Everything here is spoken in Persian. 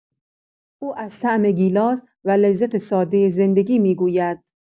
او از طعم گیلاس و لذت سادۀ زندگی می‌گوید.